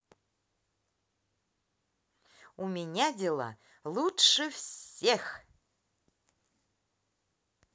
у меня дела лучше всех